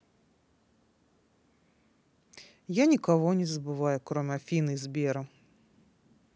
я никого не забываю кроме афины и сбера